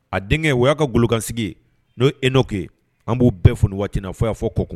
A denkɛ o y'a ka golokansigi n'o e n'o kɛ an b'u bɛɛ f waati na fo y' fɔ ko kun